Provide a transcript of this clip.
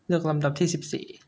เลือกลำดับที่สิบสี่